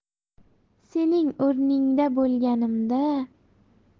sening o'rningda bo'lganimda